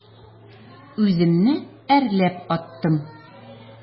Үземне әрләп аттым.